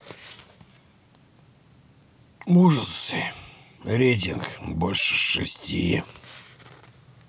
ужасы рейтинг больше шести